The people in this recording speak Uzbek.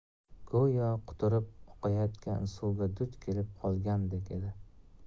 go'yo quturib oqayotgan suvga duch kelib qolgandek edi